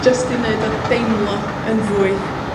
Jyst i neud o deimlo yn fwy